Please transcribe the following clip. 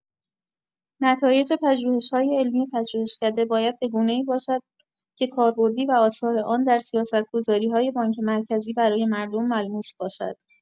نتایج پژوهش‌‌های علمی پژوهشکده باید به گونه‌ای باشد که کاربردی و آثار آن در سیاستگذاری‌های بانک مرکزی برای مردم ملموس باشد.